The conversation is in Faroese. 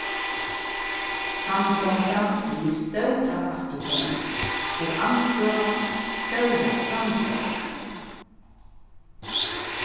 samgongan hevði stóra afturgongd og andstøðan stóra framgongd